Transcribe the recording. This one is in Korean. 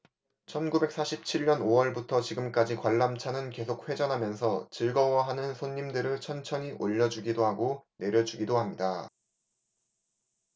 천 구백 사십 칠 년 오 월부터 지금까지 관람차는 계속 회전하면서 즐거워하는 손님들을 천천히 올려 주기도 하고 내려 주기도 합니다